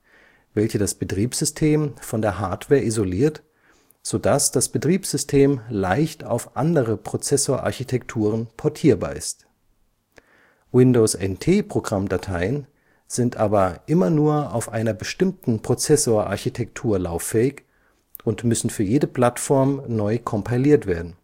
welche das Betriebssystem von der Hardware isoliert, sodass das Betriebssystem leicht auf andere Prozessorarchitekturen portierbar ist. Windows-NT-Programmdateien sind aber immer nur auf einer bestimmten Prozessorarchitektur lauffähig und müssen für jede Plattform neu kompiliert werden